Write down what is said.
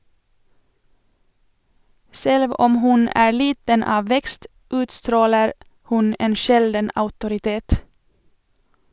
Selv om hun er liten av vekst, utstråler hun en sjelden autoritet.